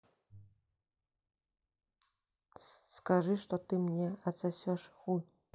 скажи что ты мне отсосешь хуй